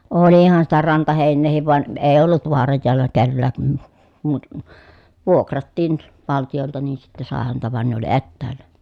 olihan sitä rantaheinääkin vaan ei ollut vaaran joella kenelläkään kun muut vuokrattiin valtiolta niin sitten sai häntä vaan ne oli etäällä